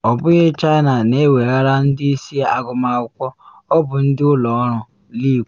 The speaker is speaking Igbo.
“Ọbụghị China na eweghara ndị isi agụmakwụkwọ; ọ bụ ndị ụlọ ọrụ,” Lee kwuru.